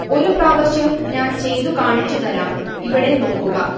ഒരു പ്രാവശ്യം ഞാൻ ചെയ്തു കാണിച്ചു തരാം ഇവിടെ നോക്കുക